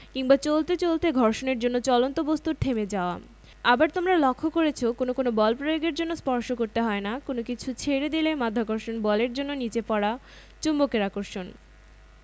নিউটনের প্রথম সূত্র থেকে বলটা কী সেটা বুঝতে পারি কিন্তু পরিমাপ করতে পারি না দ্বিতীয় সূত্র থেকে আমরা বল পরিমাপ করা শিখব